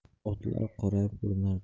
otlar qorayib ko'rinardi